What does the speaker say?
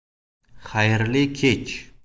xayrli kech